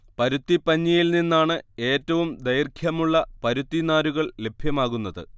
പരുത്തിപ്പഞ്ഞിയിൽ നിന്നാണ് ഏറ്റവും ദൈർഘ്യമുളള പരുത്തി നാരുകൾ ലഭ്യമാകുന്നത്